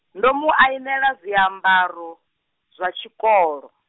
ndo mu ainela zwiambaro, zwa tshikolo.